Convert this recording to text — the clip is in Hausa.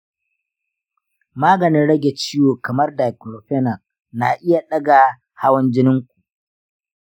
maganin rage ciwo kamar diclofenac na iya ɗaga hawan jinin ku.